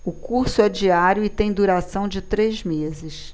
o curso é diário e tem duração de três meses